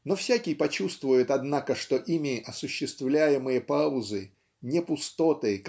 но всякий почувствует, однако, что ими осуществляемые паузы не пустоты